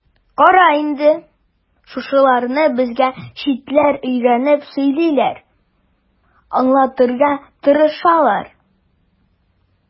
Кара инде, шушыларны безгә читләр өйрәнеп сөйлиләр, аңлатырга тырышалар.